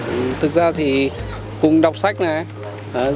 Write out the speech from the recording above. thực ra thì cùng đọc sách này